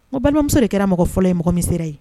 Wa balimamuso de kɛra mɔgɔ fɔlɔ ye mɔgɔmi sera ye